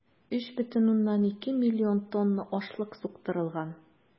3,2 млн тонна ашлык суктырылган.